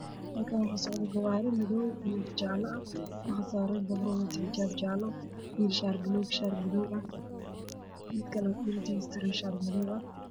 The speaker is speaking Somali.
Waa sawir waqtigii kacaanka waxaa ii muuqda gaariyaal ciidan oo ay ka buuxaan dad oo fara badan oo saf ku jireen oo socdaan